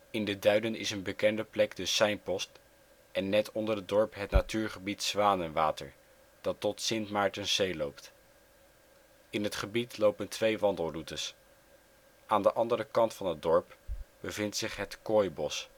In de duinen is een bekende plek de Seinpost en net onder het dorp het natuurgebied Zwanenwater, dat tot Sint Maartenszee loopt. In het gebied lopen twee wandelroutes. Aan de andere kant van het dorp bevindt zich Het Kooibos